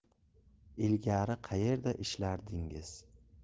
ilgari qaerda ishlardingiz